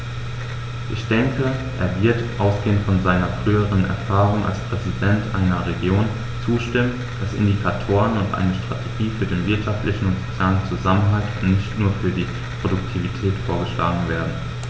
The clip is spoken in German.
Ich denke, er wird, ausgehend von seiner früheren Erfahrung als Präsident einer Region, zustimmen, dass Indikatoren und eine Strategie für den wirtschaftlichen und sozialen Zusammenhalt und nicht nur für die Produktivität vorgeschlagen werden.